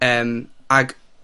Yym, ag